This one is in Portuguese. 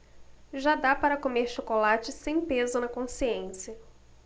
já dá para comer chocolate sem peso na consciência